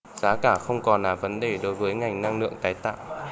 giá cả không còn là vấn đề đối với ngành năng lượng tái tạo